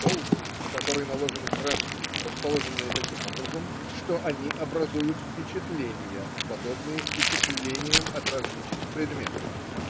Холст, на который наложены краски, расположенные таким образом, что они образуют впечатления, подобные впечатлениям от различных предметов.